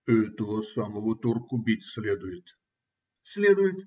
- Этого самого турку бить следует. - Следует?